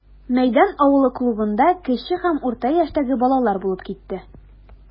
Мәйдан авылы клубында кече һәм урта яшьтәге балалар булып китте.